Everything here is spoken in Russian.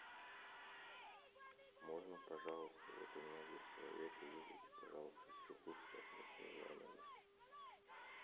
можно пожалуйста вот у меня здесь человек и вызовите пожалуйста психушка я просто не знаю номер